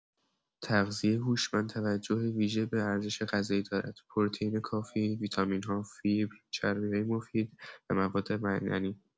تغذیه هوشمند توجه ویژه به ارزش غذایی دارد: پروتئین کافی، ویتامین‌ها، فیبر، چربی‌های مفید و مواد معدنی.